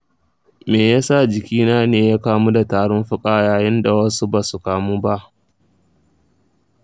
me yasa jikina ne ya kamu da tarin fuka yayin da wasu ba su kamu ba?